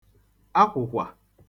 akwụ̀kwa